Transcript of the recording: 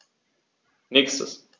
Nächstes.